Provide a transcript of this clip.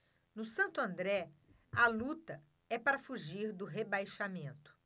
no santo andré a luta é para fugir do rebaixamento